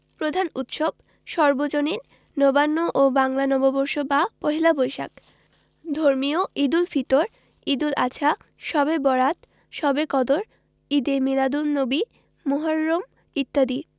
প্রধান উৎসবঃ সর্বজনীন নবান্ন ও বাংলা নববর্ষ বা পহেলা বৈশাখ ধর্মীয় ঈদুল ফিত্ র ঈদুল আযহা শবে বরআত শবে কদর ঈদে মীলাদুননবী মুহররম ইত্যাদি